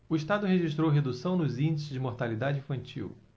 o estado registrou redução nos índices de mortalidade infantil